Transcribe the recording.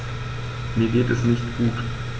Mir geht es nicht gut.